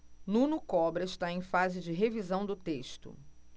nuno cobra está em fase de revisão do texto